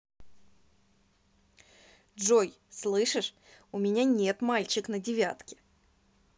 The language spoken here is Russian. джой слышишь у меня нет мальчик на девятке